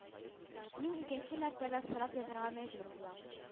Мин икенче мәртәбә сорап язарга мәҗбүр булам